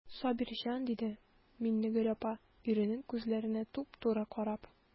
Сабирҗан,– диде Миннегөл апа, иренең күзләренә туп-туры карап.